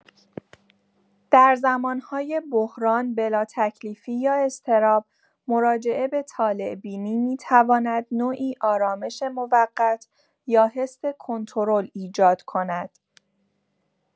در زمان‌های بحران، بلاتکلیفی یا اضطراب، مراجعه به طالع‌بینی می‌تواند نوعی آرامش موقت یا حس کنترل ایجاد کند.